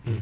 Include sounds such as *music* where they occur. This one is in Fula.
*hesitation* *hesitation*